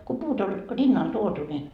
kun puut oli rinnalle tuotu niin